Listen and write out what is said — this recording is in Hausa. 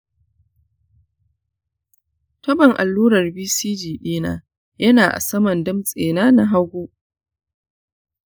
tabon allurar bcg dina yana a saman damtsena na hagu.